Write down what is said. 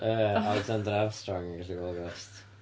Yy, Alexander Armstrong yn gallu gweld ghosts.